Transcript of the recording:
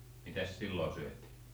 mitäs silloin syötiin